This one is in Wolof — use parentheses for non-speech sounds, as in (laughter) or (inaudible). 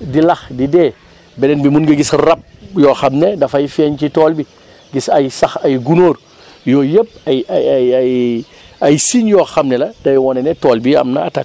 di lax di dee beneen bi mun nga gis rab yoo xam ne dafay feeñ ci tool bi gis ay sax ay gunóor (breath) yooyu yëpp ay ay ay ay ay signes yoo xam ne la day wane ne tool bii am na attaque